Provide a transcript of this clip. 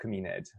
cymuned